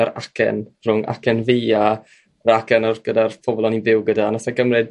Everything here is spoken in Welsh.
yr acen rhwng acen fi a acen gyda'r pobol oni'n byw 'da nath e gymryd